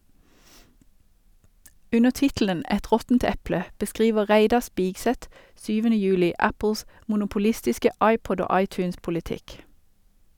Under tittelen "Et råttent eple" beskriver Reidar Spigseth 7. juli Apples monopolistiske iPod- og iTunes-politikk.